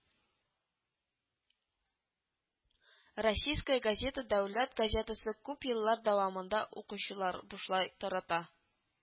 “российская газета” дәүләт газетасы күп еллар дәвамында укучылар бушлай тарата